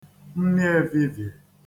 nni evivie